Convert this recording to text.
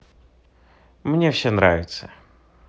мне все нравится